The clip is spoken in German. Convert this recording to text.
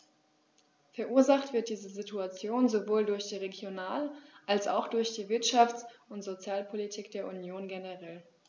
Verursacht wird diese Situation sowohl durch die Regional- als auch durch die Wirtschafts- und Sozialpolitik der Union generell.